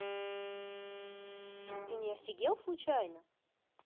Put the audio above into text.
ты не офигел случайно